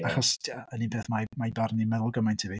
Achos tibod yn un peth, mae mae ei barn hi yn meddwl gymaint i fi.